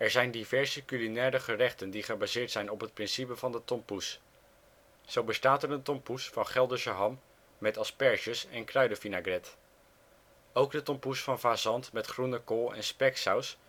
zijn diverse culinaire gerechten die gebaseerd zijn op het principe van de tompoes. Zo bestaat er een tompoes van Gelderse ham met asperges en kruidenvinaigrette. Ook de tompoes van fazant met groene kool en speksaus